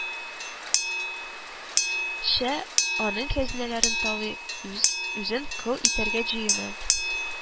Шә, аның хәзинәләрен талый, үзен кол итәргә җыена